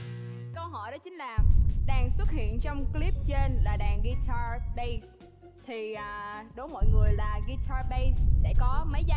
câu hỏi đó chính là đàn xuất hiện trong cờ líp trên là đàn ghi ta bây thì à đố mọi người là ghi ta bây sẽ có mấy giây